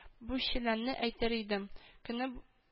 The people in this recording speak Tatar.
—бу челләне әйтер идем, көне